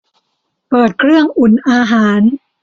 เปิดเครื่องอุ่นอาหาร